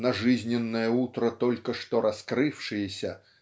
на жизненное утро только что раскрывшиеся